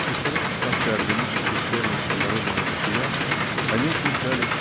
Исходя из факта органической цельности народного бытия они утверждали